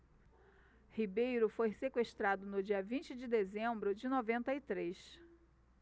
ribeiro foi sequestrado no dia vinte de dezembro de noventa e três